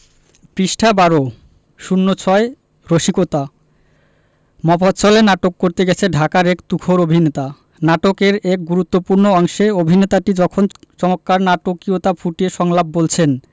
পৃষ্টা ১২ ০৬ রসিকতা মফাশ্বলে নাটক করতে গেছে ঢাকার এক তুখোর অভিনেতা নাটকের এক গুরুত্তপূ্র্ণ অংশে অভিনেতাটি যখন চমৎকার নাটকীয়তা ফুটিয়ে সংলাপ বলছেন